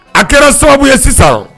A kɛra sababu ye sisan